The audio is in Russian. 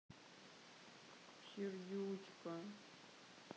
сердючка